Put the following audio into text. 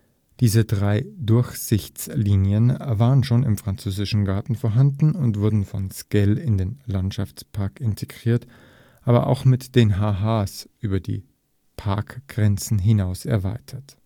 Diese drei Durchsichtslinien waren schon im französischen Garten vorhanden und wurden von Sckell in den Landschaftspark integriert, aber auch mit den Ha-Has über die Parkgrenzen hinaus erweitert